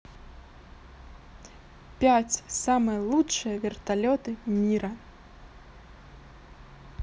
пять самое лучшее вертолеты мира